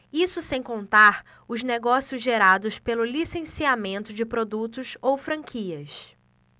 isso sem contar os negócios gerados pelo licenciamento de produtos ou franquias